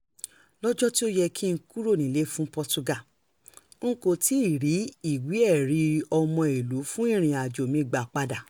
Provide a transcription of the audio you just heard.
Lọ́jọ́ tí ó yẹ kí n kúrò nílé fún Portugal, n kòì tí ì rí ìwé-ẹ̀rí-ọmọìlú-fún-ìrìnnà mi gbà padà...